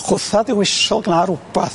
Chwtha dy wisl gna rwbath.